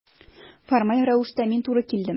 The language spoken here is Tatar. Формаль рәвештә мин туры килдем.